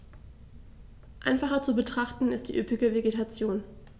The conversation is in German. Einfacher zu betrachten ist die üppige Vegetation.